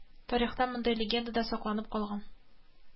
Тарихтан мондый легенда да сакланып калган